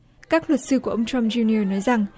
các luật sư của ông trăm du ni ờ nói rằng